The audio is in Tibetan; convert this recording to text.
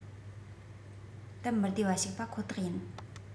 སྟབས མི བདེ བ ཞིག པ ཁོ ཐག ཡིན